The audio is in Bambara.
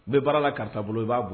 N bɛ baara la karisa bolo i ba bɔ